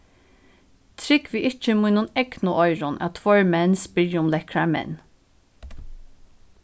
trúgvi ikki mínum egnu oyrum at tveir menn spyrja um lekkrar menn